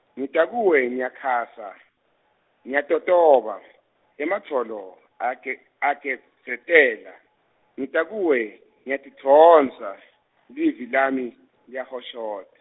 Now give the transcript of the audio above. ngita kuwe ngiyakhasa, Ngiyatotoba, emadvolo, ayage- ayagedzetela, ngita kuwe ngiyatidvonsa, livi lami liyahoshot-.